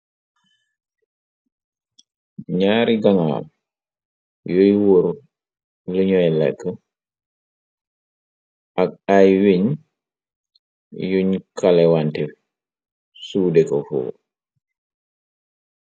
Ñaari ganaal, yuy wuur luñuy lekk, ak ay wiñ, yuñ kalewante suudeko fuu.